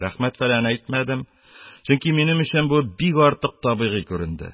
Рәхмәт-фәлән әйтмәдем, чөнки минем өчен бу бик артык табигый күренде.